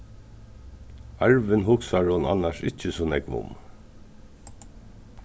arvin hugsar hon annars ikki so nógv um